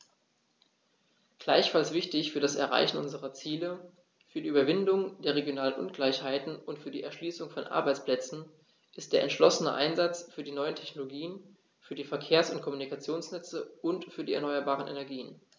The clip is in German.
Gleichfalls wichtig für das Erreichen unserer Ziele, für die Überwindung der regionalen Ungleichheiten und für die Erschließung von Arbeitsplätzen ist der entschlossene Einsatz für die neuen Technologien, für die Verkehrs- und Kommunikationsnetze und für die erneuerbaren Energien.